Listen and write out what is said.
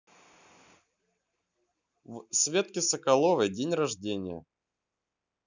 в светке соколовой день рождения